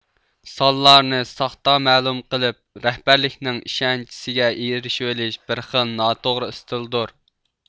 سانلارنى ساختا مەلۇم قىلىپ رەھبەرلىكنىڭ ئىشەنچىسىگە ئېرىشۋېلىش بىر خىل ناتوغرا ئىستىلدۇر